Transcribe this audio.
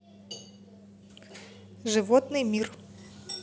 животный мир